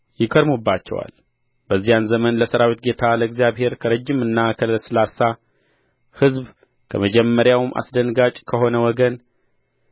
ይከርሙባቸዋል በዚያን ዘመን ለሠራዊት ጌታ ለእግዚአብሔር ከረጅምና ከለስላሳ ሕዝብ ከመጀመሪያው አስደንጋጭ ከሆነ ወገን